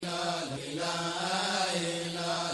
San